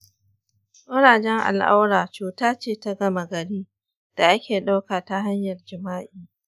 ƙurajen al’aura cuta ce ta gama gari da ake ɗauka ta hanyar jima’i.